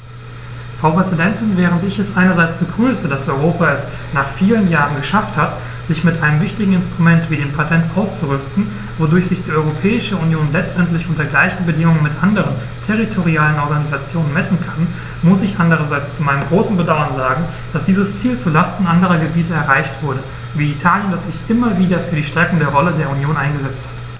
Frau Präsidentin, während ich es einerseits begrüße, dass Europa es - nach vielen Jahren - geschafft hat, sich mit einem wichtigen Instrument wie dem Patent auszurüsten, wodurch sich die Europäische Union letztendlich unter gleichen Bedingungen mit anderen territorialen Organisationen messen kann, muss ich andererseits zu meinem großen Bedauern sagen, dass dieses Ziel zu Lasten anderer Gebiete erreicht wurde, wie Italien, das sich immer wieder für die Stärkung der Rolle der Union eingesetzt hat.